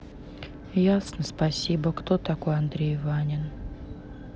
ясно спасибо кто такой андрей ванин